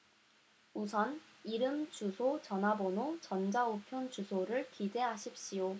우선 이름 주소 전화번호 전자 우편 주소를 기재하십시오